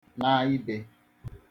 na ibe